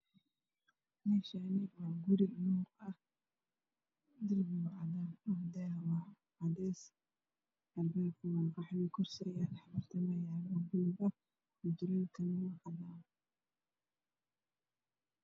Meeshaani waa guri darbigiisa waa cagaar daaha waa cadays albaabka waa qaxwi kursi buluug mituleel cagaar ah